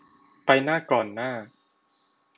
ไปหน้าก่อนหน้า